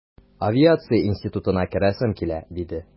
Авиация институтына керәсем килә, диде...